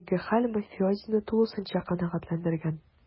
Әлеге хәл мафиозины тулысынча канәгатьләндергән: